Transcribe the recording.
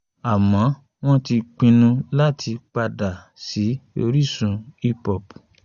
Àmọ́ wọ́n tí pinnu láti padà sí orísun hip hop.